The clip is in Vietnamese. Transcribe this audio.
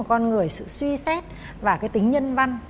con người sự suy xét và tính nhân văn